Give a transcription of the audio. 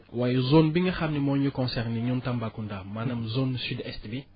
waaye zone bi nga xam ne moo ñu concernée ñun Tambacounda maanaam zone sud est bi